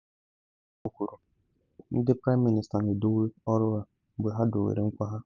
N’ozi atụrụ Nwada May, o kwuru: ‘Ndị praịm minista na edowe ọrụ ha mgbe ha dowere nkwa ha.’